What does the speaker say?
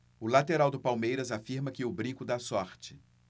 o lateral do palmeiras afirma que o brinco dá sorte